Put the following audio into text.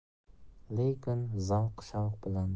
lekin zavq shavq bilan